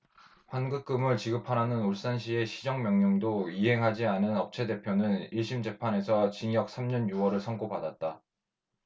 환급금을 지급하라는 울산시의 시정명령도 이행하지 않은 업체대표는 일 심 재판에서 징역 삼 년 유 월을 선고받았다